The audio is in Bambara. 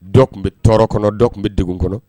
Dɔ tun bɛ tɔɔrɔ kɔnɔ dɔ tun bɛ dugu kɔnɔ